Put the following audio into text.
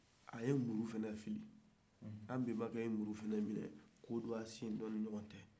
a ye muru fana fili an bɛnbakɛ ye muru fana minɛ k'o do a sen dɔ ni ni ɲɔgɔn cɛ